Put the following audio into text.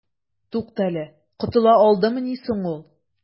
Туктале, котыла алдымыни соң ул?